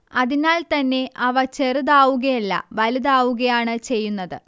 അതിനാൽത്തന്നെ അവ ചെറുതാവുകയല്ല വലുതാവുകയാണ് ചെയ്യുന്നത്